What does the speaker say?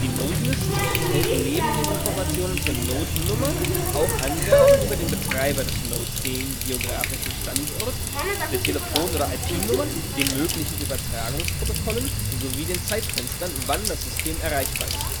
Die Nodelist enthält neben den Informationen zur Nodenummer auch Angaben über den Betreiber des Nodes, den geographischen Standort, der Telefon - oder IP-Nummer, den möglichen Übertragungsprotokollen sowie den Zeitfenstern, wann das System erreichbar ist